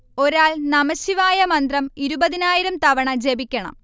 ഒരാൾ നമഃശിവായ മന്ത്രം ഇരുപതിനായിരം തവണ ജപിക്കണം